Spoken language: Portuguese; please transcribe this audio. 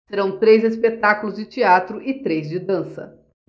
serão três espetáculos de teatro e três de dança